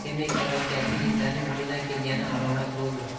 sendek tavakkalchi yigitlarning qo'lidan kelgani alomat bo'ldi